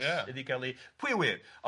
nes iddi gael ei... Pwy a ŵyr?